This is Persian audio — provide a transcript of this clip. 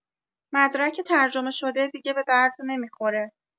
مدرک ترجمه‌شده دیگه به درد نمی‌خوره